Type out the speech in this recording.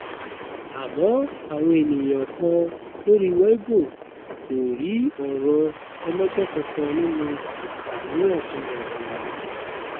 Àmọ́ àwọn ènìyàn kan lórí Weibo kò rí ọ̀rọ̀ ọlọgbọ́n kankan nínú àríyànjiyàn wọ̀nyí.